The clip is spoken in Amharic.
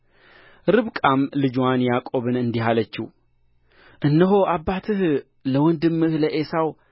ርብቃም ልጅዋን ያዕቆብን እንዲህ አለችው እነሆ አባትህ ለወንድምህ ለዔሳው